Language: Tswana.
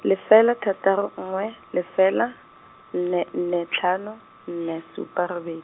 lefela thataro nngwe, lefela, nne nne tlhano, nne supa robe.